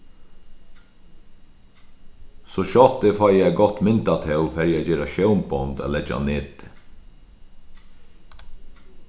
so skjótt eg fái eitt gott myndatól fari eg at gera sjónbond at leggja á netið